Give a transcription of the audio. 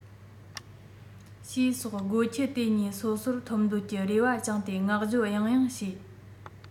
ཞེས སོགས སྒོ ཁྱི དེ གཉིས སོ སོར འཐོབ འདོད ཀྱི རེ བ བཅངས ཏེ བསྔགས བརྗོད ཡང ཡང བྱས